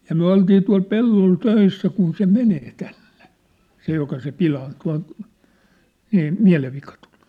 ja me oltiin tuolla pellolla töissä kun se menee tänne se joka se - pilaantunut - mielenvika tuli